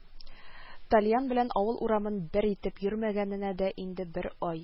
Тальян белән авыл урамын бер итеп йөрмәгәненә дә инде бер а